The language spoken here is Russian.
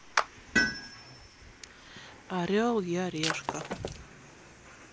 орел я решка